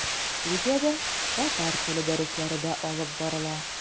Студиядә татар теле дәресләре дә алып барыла.